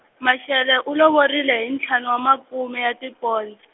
Mashele u lovorile hi ntlhanu wa makume ya tipond- .